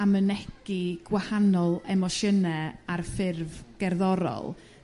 a mynegi gwahanol emosiyne ar ffurf gerddorol